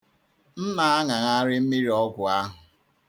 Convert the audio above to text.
M na-aṅagharị mmiri ọgwụ ahụ.